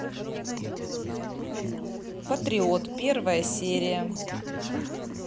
патриот первая серия